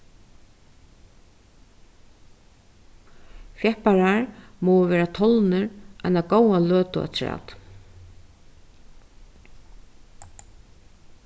fjepparar mugu vera tolnir eina góða løtu afturat